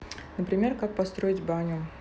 например как как построить баню